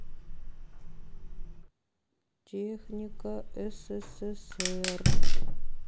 техника ссср